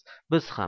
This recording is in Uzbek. biz ham